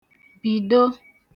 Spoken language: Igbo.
bìdo